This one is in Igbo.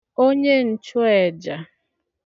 onyeǹchụèjà